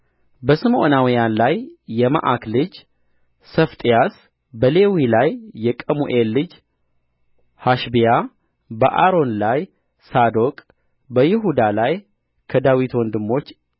በስምዖናውያን የመዓካ ልጅ ሰፋጥያስ በሌዊ ላይ የቀሙኤል ልጅ ሐሸቢያ በአሮን ላይ ሳዶቅ በይሁዳ ላይ ከዳዊት ወንድሞች